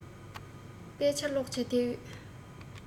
དཔེ ཆ བཀླགས བྱས སྡོད